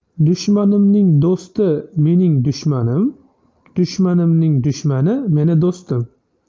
dushjmanimning do'sti mening dushmanim dushmanimning dushmani mening do'stim